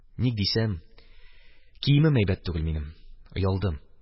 Ник дисәң, киемем әйбәт түгел минем, оялдым